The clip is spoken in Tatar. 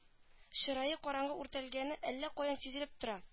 Чырае караңгы үртәлгәне әллә каян сизелеп тора